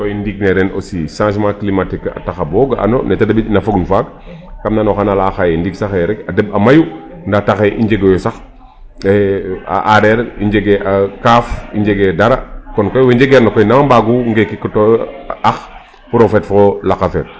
II ndaa o lay ee koy ndiig ne ren aussi changement climatique a taxa bo ga'ano ne ta deɓit'ina fagun faak kam nan oxa naa layaa xaye ndiiki sax ee a deɓa mayu ndaa taxee i njegooyo sax a aareeri njegee kaaf i njegee dara kon koy we njegeerna nam a mbagu ngekitooyo ax pour o feet fo laqa feet?